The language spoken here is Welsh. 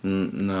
N- na.